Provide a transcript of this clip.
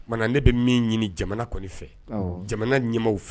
Ma ne bɛ min ɲini jamana jamana ɲɛw fɛ